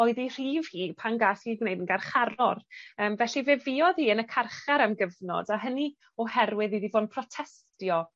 oedd 'i rhif hi pan gath hi 'i gwneud yn garcharor. Yym felly fe fuodd hi yn y carchar am gyfnod a hynny oherwydd iddi fod protestio